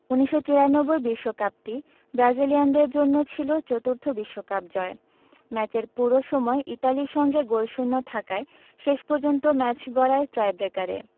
১৯৯৪ বিশ্বকাপটি ব্রাজিলিয়ানদের জন্য ছিল চতুর্থ বিশ্বকাপ জয় ম্যাচের পুরো সময় ইতালির সঙ্গে গোলশূন্য থাকায় শেষ পর্যন্ত ম্যাচ গড়ায় টাইব্রেকারে